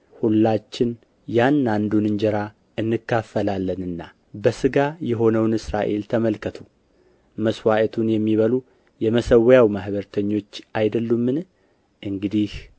ሁላችን ያን አንዱን እንጀራ እንካፈላለንና በሥጋ የሆነውን እስራኤል ተመልከቱ መሥዋዕቱን የሚበሉ የመሠዊያው ማኅበረተኞች አይደሉምን እንግዲህ